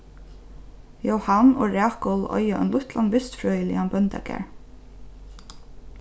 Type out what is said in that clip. jóhan og rakul eiga ein lítlan vistfrøðiligan bóndagarð